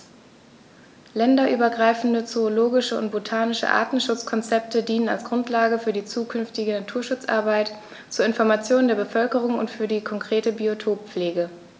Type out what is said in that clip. Länderübergreifende zoologische und botanische Artenschutzkonzepte dienen als Grundlage für die zukünftige Naturschutzarbeit, zur Information der Bevölkerung und für die konkrete Biotoppflege.